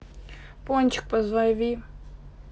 пончик позови